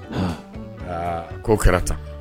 Aa , Kow kɛra tan